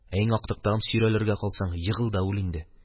Ә иң актыктан сөйрәлергә калсаң, егыл да үл инде.